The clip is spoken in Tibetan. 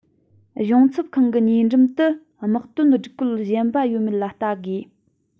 གཞུང ཚབ ཁང གི ཉེ འགྲམ དུ དམག དོན སྒྲིག བཀོད གཞན པ ཡོད མེད ལ བལྟ དགོས